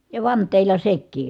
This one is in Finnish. ja vanteilla sekin